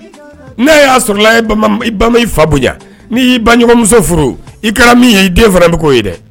N'a y'a sɔrɔla bama fa bonya n i ba ɲɔgɔnmuso furu i kɛra min ye i den fana bɛ ko ye dɛ